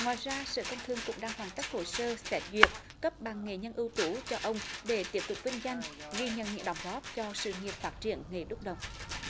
ngoài ra sở công thương cũng đang hoàn tất hồ sơ xét duyệt cấp bằng nghệ nhân ưu tú cho ông để tiếp tục vinh danh ghi nhận những đóng góp cho sự nghiệp phát triển nghề đúc đồng